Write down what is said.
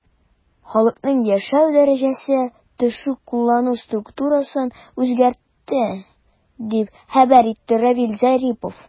Халыкның яшәү дәрәҗәсе төшү куллану структурасын үзгәртте, дип хәбәр итте Равиль Зарипов.